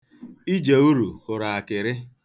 Ijeuru hụrụ akịrị.